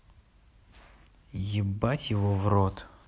ебать его в рот